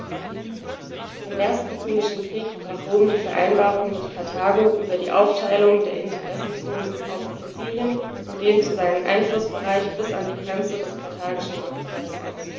Im Ersten Punischen Krieg brach Rom die Vereinbarung mit Karthago über die Aufteilung der Interessenzonen auf Sizilien und dehnte seinen Einflussbereich bis an die Grenze des karthagischen Machtbereichs aus.